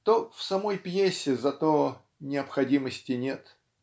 то в самой пьесе зато необходимости нет.